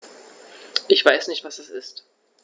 Ich weiß nicht, was das ist.